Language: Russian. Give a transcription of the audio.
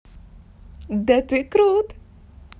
да ты крут